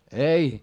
ei